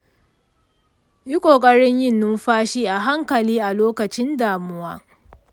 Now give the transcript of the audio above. yi ƙoƙarin yin numfashi a hankali a lokacin damuwa.